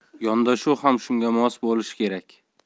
yondashuv ham shunga mos bo'lishi kerak